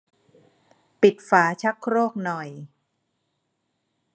ปิดฝาชักโครกหน่อย